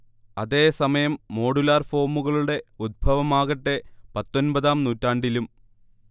അതേസമയം, മോഡുലാർ ഫോമുകളുടെ ഉത്ഭവമാകട്ടെ, പത്തൊൻപതാം നൂറ്റാണ്ടിലും